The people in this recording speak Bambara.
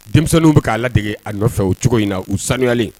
Denmisɛnninw bɛ k'a la dege a nɔfɛ o cogo in na u sanulen